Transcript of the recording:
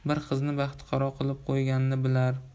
bir qizni baxtiqaro qilib qo'yganini bilar